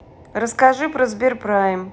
расскажи про сберпрайм